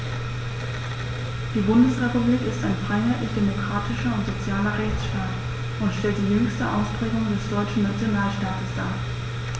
Die Bundesrepublik ist ein freiheitlich-demokratischer und sozialer Rechtsstaat und stellt die jüngste Ausprägung des deutschen Nationalstaates dar.